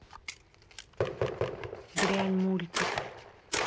дрянь мультик